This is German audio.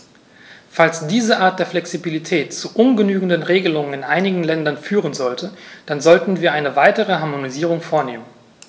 Falls diese Art der Flexibilität zu ungenügenden Regelungen in einigen Ländern führen sollte, dann sollten wir eine weitere Harmonisierung vornehmen.